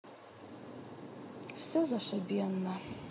все зашибенно